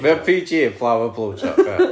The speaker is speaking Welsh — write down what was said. ma' o'n PG heblaw y blowjob ia